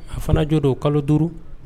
A fana jo don kalo duuru